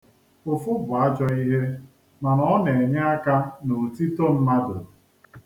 Ụfụ bụ ajọ ihe mana o na-enye aka n'otito mmadụ.